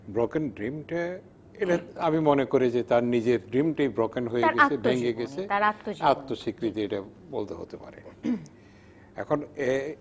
broken dream এটা আমি মনে করি যে তার নিজের ড্রিম টাই ব্রোকেন হয়ে গিয়েছে তার আত্মজীবনী ভেঙে গেছে তার আত্মজীবনী তার আত্মস্বীকৃতি বলতে হতে পারে এখন এ